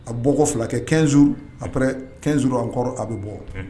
A bɔ kɔ fila kɛ kɛnz a kɛnz an kɔrɔ a bɛ bɔ